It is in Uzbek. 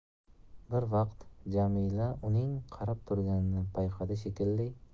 bir vaqt jamila uning qarab turganini payqadi shekilli